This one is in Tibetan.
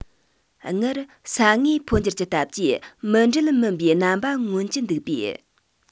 སྔར ས ངོས འཕོ འགྱུར གྱི སྟབས ཀྱིས མུ འབྲེལ མིན པའི རྣམ པ མངོན གྱི འདུག པས